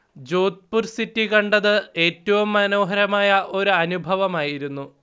Jodhpur city കണ്ടത് ഏറ്റവും മനോഹരമായ ഒരനുഭവമായിരുന്നു